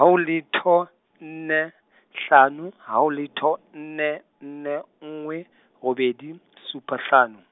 ha o letho, nne hlano, ha o letho, nne, nne, nngwe, robedi , supa hlano.